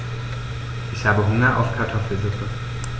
Ich habe Hunger auf Kartoffelsuppe.